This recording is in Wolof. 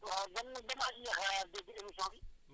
waaw man nag damaa yéex a dégg émission bi